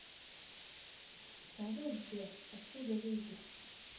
салют сбер отсюда выйдет